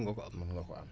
si kàllaama yëpp nag